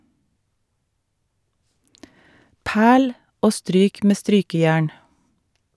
Perl , og stryk med strykejern.